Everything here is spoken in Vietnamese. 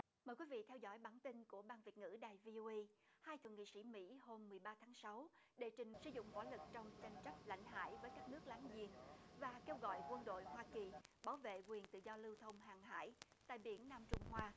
mời quý vị theo dõi bản tin của ban việt ngữ đài vi ô ây hai thượng nghị sĩ mỹ hôm mười ba tháng sáu đệ trình sủ dụng võ lực trong tranh chấp lãnh hải với các nước láng giềng và kêu gọi quân đội hoa kỳ bảo vệ quyền tự do lưu thông hàng hải tại biển nam trung hoa